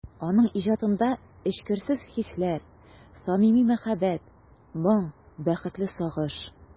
Аның иҗатында эчкерсез хисләр, самими мәхәббәт, моң, бәхетле сагыш...